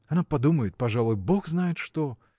Она подумает, пожалуй, бог знает что!